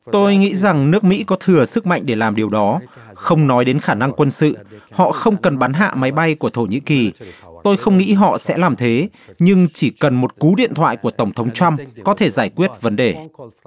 tôi nghĩ rằng nước mỹ có thừa sức mạnh để làm điều đó không nói đến khả năng quân sự họ không cần bắn hạ máy bay của thổ nhĩ kỳ tôi không nghĩ họ sẽ làm thế nhưng chỉ cần một cú điện thoại của tổng thống trăm có thể giải quyết vấn đề